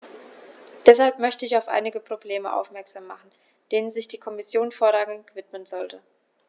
Deshalb möchte ich auf einige Probleme aufmerksam machen, denen sich die Kommission vorrangig widmen sollte.